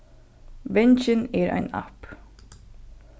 vangin er ein app